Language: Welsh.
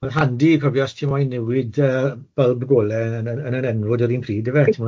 Ma'n handi cofio os ti moyn newid yy bylb gole yn y yn y nenfwd yr un pryd yfe...